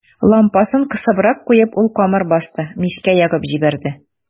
Лампасын кысыбрак куеп, ул камыр басты, мичкә ягып җибәрде.